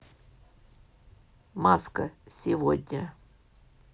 маска сегодня